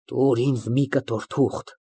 Տուր ինձ մի կտոր թուղթ։